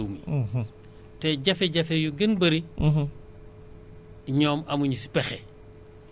Etat bi xam na ne ñoom am na luñu représenté ci kom-komu réew mi